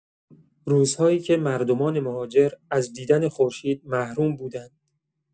روزهایی که مردمان مهاجر از دیدن خورشید محروم بودند.